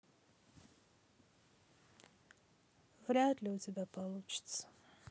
вряд ли у тебя получится